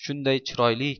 shunday chiroyli